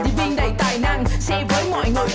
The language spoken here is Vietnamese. viên đầy tài năng xe với mọi